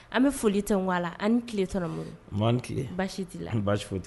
An bɛ foli tɛ an tile tile baasi tɛ la an baasi